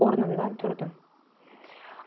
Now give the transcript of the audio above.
o'rnimdan turdim